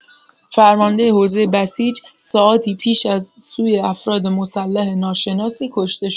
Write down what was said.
فرمانده حوزه بسیج ساعاتی پیش از سوی افراد مسلح ناشناسی کشته شد.